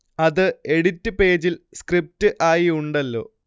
അത് എഡിറ്റ് പേജിൽ സ്ക്രിപ്റ്റ് ആയി ഉണ്ടല്ലോ